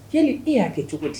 Yali e y'a kɛ cogo di?